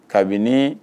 Ka bi ni